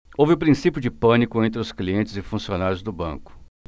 houve princípio de pânico entre os clientes e funcionários do banco